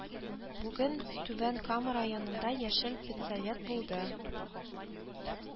Бүген Түбән Кама районында Яшел педсовет булды